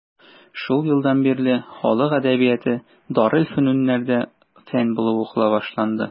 Шул елдан бирле халык әдәбияты дарелфөнүннәрдә фән булып укыла башланды.